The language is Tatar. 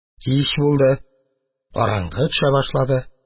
Кич булды, караңгы төшә башлады.